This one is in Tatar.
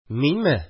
– минме